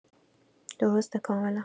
درسته کاملا